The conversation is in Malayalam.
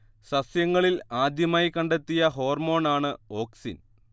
സസ്യങ്ങളിൽ ആദ്യമായി കണ്ടെത്തിയ ഹോർമോൺ ആണ് ഓക്സിൻ